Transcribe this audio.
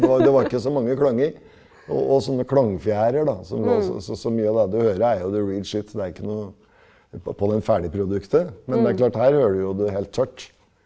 det det var ikke så mange klanger, og og sånne klangfjærer da som så så mye av det du hører er jo så det er ikke noe på på den ferdige produktet, men det er klart her hører du jo det helt tørt.